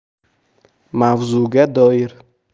mavzuga doir